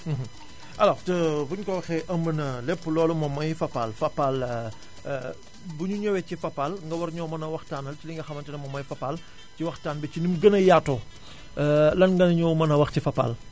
alors buñu ko waxee ëmb na lépp loolu moom mooy Fapal Fapal buñu ñëwee ci Fapal nga war ñoo mën a waxtaanal ci li nga xam ne moom mooy Fapal ci waxtaan bi ci ni mu gën a yaatoo lan nga ñu mën a wax ci Fapal